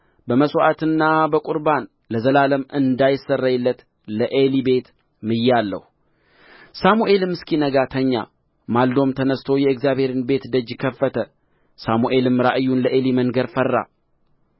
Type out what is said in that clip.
በመሥዋዕትና በቍርባን ለዘላለም እንዳይሰረይለት ለዔሊ ቤት ምያለሁ ሳሙኤልም እስኪነጋ ተኛ ማልዶም ተነሥቶ የእግዚአብሔርን ቤት ደጅ ከፈተ ሳሙኤልም ራእዩን ለዔሊ መንገር ፈራ